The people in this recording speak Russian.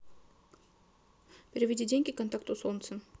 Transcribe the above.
переведи деньги контакту солнце